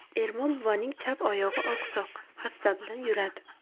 ermon buvaning chap oyog'i oqsoq hassa bilan yuradi